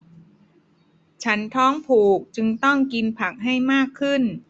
ฉันท้องผูกจึงต้องกินผักให้มากขึ้น